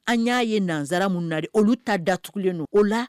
An y'a ye nanzsara mun nare olu ta datugulen don o la